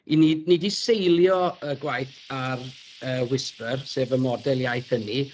'y ni ni 'di seilio y gwaith ar yy Whisper sef y model iaith hynny.